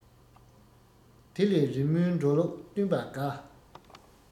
དེ ལས རི མོའི འགྲོ ལུགས བསྟུན པ དགའ